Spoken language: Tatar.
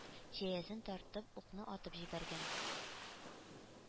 Җәясен тартып укны атып җибәргән.